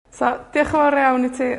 So, diolch yn fawr i ti...